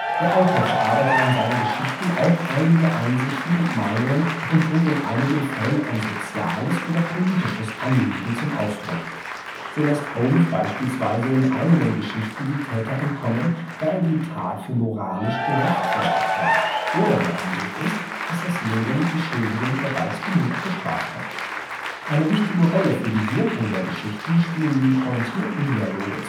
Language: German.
Der Autor verarbeitet in seinen Geschichten auch eigene Einsichten und Meinungen und bringt in einigen Fällen ein soziales oder politisches Anliegen zum Ausdruck. So lässt Holmes bspw. in einigen Geschichten die Täter entkommen, da er die Tat für moralisch gerechtfertigt hält oder der Ansicht ist, dass das Leben die Schuldigen bereits genug bestraft hat. Eine wichtige Rolle für die Wirkung der Geschichten spielen die pointierten Dialoge